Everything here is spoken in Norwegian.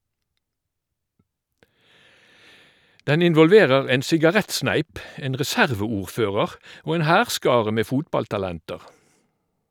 Den involverer en sigarettsneip, en reserveordfører og en hærskare med fotballtalenter.